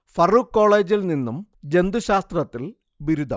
ഫറൂക്ക് കോളേജിൽ നിന്നും ജന്തുശാസ്ത്രത്തിൽ ബിരുദം